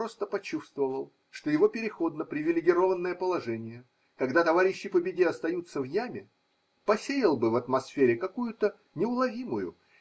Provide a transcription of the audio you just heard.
просто почувствовал, что его переход на привилегированное положение, когда товарищи по беде остаются в яме, посеял бы в атмосфере какую-то неуловимую.